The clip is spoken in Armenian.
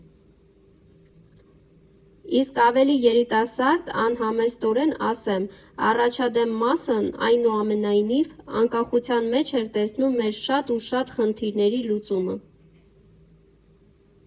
Իսկ ավելի երիտասարդ, անհամեստորեն ասեմ՝ առաջադեմ մասն այնուամենայնիվ անկախության մեջ էր տեսնում մեր շատ ու շատ խնդիրների լուծումը։